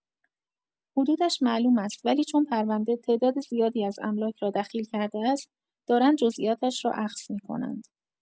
حدودش معلوم است ولی چون پرونده، تعداد زیادی از املاک را دخیل کرده است، دارند جزئیاتش را اخذ می‌کنند.